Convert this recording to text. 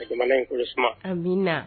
Ka jamana in kolo suma. Amina